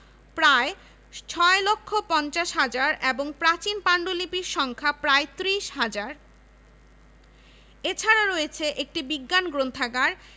প্রায় ৬ লক্ষ ৫০ হাজার এবং প্রাচীন পান্ডুলিপির সংখ্যা প্রায় ত্রিশ হাজার এছাড়া রয়েছে একটি বিজ্ঞান গ্রন্থাগার